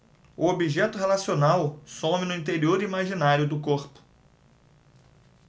o objeto relacional some no interior imaginário do corpo